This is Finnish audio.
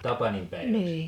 tapaninpäiväksi